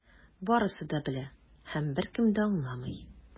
Барысы да белә - һәм беркем дә аңламый.